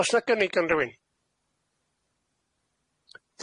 O's 'na gyngig gan rywun?